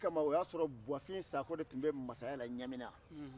o don kama o y'a sɔrɔ buwafin sakɔ de tun bɛ mansaya la ɲiamina